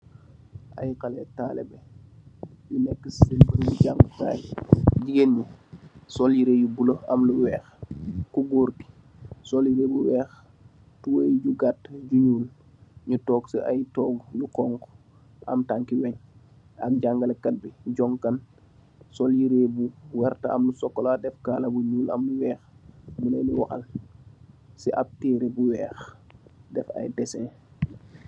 Aye khaleh talibe jigeen sul yereh yu buluh am lu wekh ku goor ki sul yereh yu wekh tubey bu gatti bu nyul nyu tok si aye toguh yu xhong khu am tang ki weng am jangaleh kat jung kan sul yereh yu werta am lu chocola.